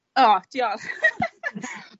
O diolch.